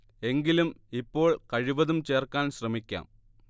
എങ്കിലും ഇപ്പോൾ കഴിവതും ചേർക്കാൻ ശ്രമിക്കാം